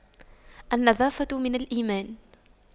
النظافة من الإيمان